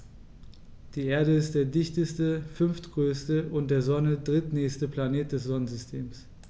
Die Erde ist der dichteste, fünftgrößte und der Sonne drittnächste Planet des Sonnensystems.